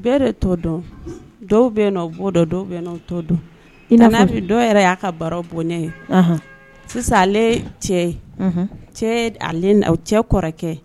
Bɛɛ yɛrɛ tɔ dɔn dɔw bɛ bɔ dɔn dɔw bɛ n tɔ dɔn i dɔw yɛrɛ y'a ka baro bonya ye sisan ale cɛ cɛ cɛ kɔrɔkɛ